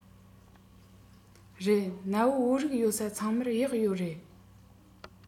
རེད གནའ བོའི བོད རིགས ཡོད ས ཚང མར གཡག ཡོད རེད